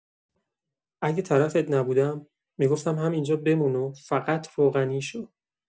اگه طرفت نبودم، می‌گفتم همین‌جا بمون و فقط روغنی شو.